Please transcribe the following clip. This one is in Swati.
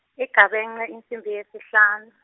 igabence insimbi yesihlanu.